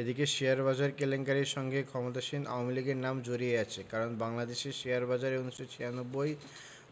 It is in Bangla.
এদিকে শেয়ারবাজার কেলেঙ্কারির সঙ্গে ক্ষমতাসীন আওয়ামী লীগের নাম জড়িয়ে আছে কারণ বাংলাদেশের শেয়ারবাজারে ১৯৯৬